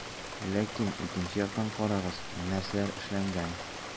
Ләкин икенче яктан - карагыз, нәрсәләр эшләнгән.